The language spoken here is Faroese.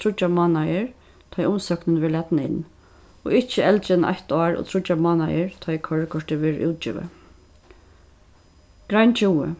tríggjar mánaðir tá ið umsóknin verður latin inn og ikki eldri enn eitt ár og tríggjar mánaðir tá ið koyrikortið verður útgivið grein tjúgu